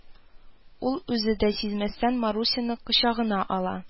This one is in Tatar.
Ул, үзе дә сизмәстән, Марусяны кочагына ала